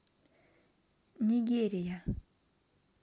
нигерия